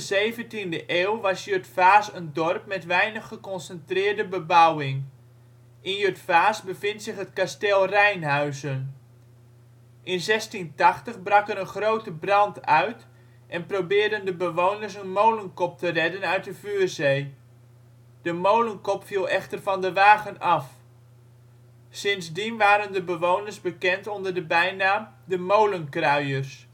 17e eeuw was Jutphaas een dorp met weinig geconcentreerde bebouwing. In Jutphaas bevindt zich het Kasteel Rijnhuizen. In 1680 brak er een grote brand uit en probeerden de bewoners een molenkop te redden uit de vuurzee. De molenkop viel echter van de wagen af. Sindsdien waren de bewoners bekend onder de bijnaam de Molenkruiers